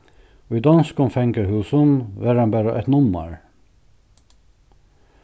í donskum fangahúsum var hann bara eitt nummar